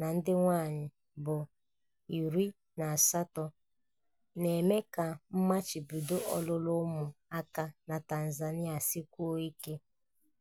ma ndị nwaanyị bụ 18, na-eme ka mmachibido ọlụlụ ụmụaka na Tanzania sikwuo ike.